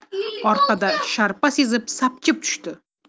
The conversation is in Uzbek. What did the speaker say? orqada sharpa sezib sapchib tushdi